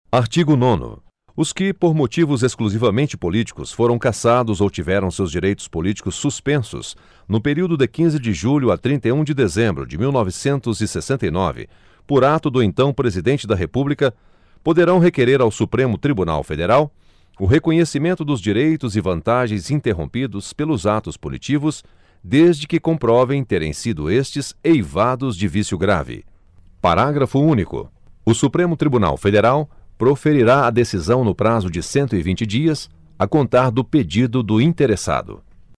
artigo nono os que por motivos exclusivamente políticos foram cassados ou tiveram seus direitos políticos suspensos no período de quinze de julho a trinta e um de dezembro de mil e novecentos e sessenta e nove por ato do então presidente da república poderão requerer ao supremo tribunal federal o reconhecimento dos direitos e vantagens interrompidos pelos atos punitivos desde que comprovem terem sido estes eivados de vício grave parágrafo único o supremo tribunal federal proferirá a decisão no prazo de cento e vinte dias a contar do pedido do interessado